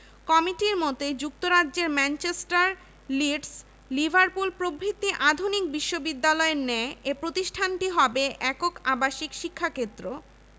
কমিটির মতে যুক্তরাজ্যের ম্যানচেস্টার লিডস লিভারপুল প্রভৃতি আধুনিক বিশ্ববিদ্যালয়ের ন্যায় এ প্রতিষ্ঠানটি হবে একক আবাসিক শিক্ষাক্ষেত্র